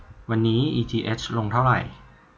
วันนี้อีทีเฮชลงเท่าไหร่